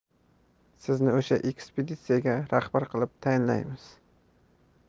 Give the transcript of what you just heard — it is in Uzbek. sizni o'sha ekspeditsiyaga rahbar qilib tayinlaymiz